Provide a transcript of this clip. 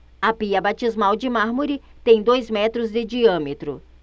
a pia batismal de mármore tem dois metros de diâmetro